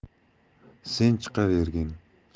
sen chiqavergin